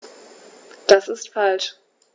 Das ist falsch.